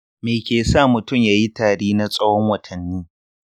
me ke sa mutum yayi tari na tsawon watanni?